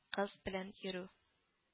Кыз белән йөрү